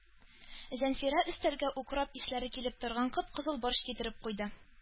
Зәнфирә өстәлгә укроп исләре килеп торган кып-кызыл борщ китереп куйды.